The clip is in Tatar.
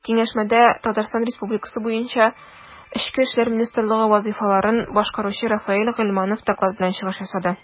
Киңәшмәдә ТР буенча эчке эшләр министры вазыйфаларын башкаручы Рафаэль Гыйльманов доклад белән чыгыш ясады.